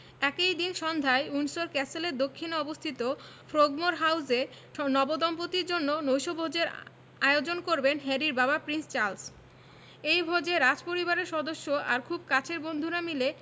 একই দিন সন্ধ্যায় উইন্ডসর ক্যাসেলের দক্ষিণে অবস্থিত ফ্রোগমোর হাউসে নবদম্পতির জন্য নৈশভোজের আয়োজন করবেন হ্যারির বাবা প্রিন্স চার্লস এই ভোজে রাজপরিবারের সদস্য আর খুব কাছের বন্ধুরা মিলে